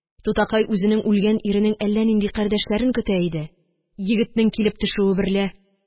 Тутакай үзенең үлгән иренең әллә нинди кардәшләрен көтә иде. Егетнең килеп төшүе берлә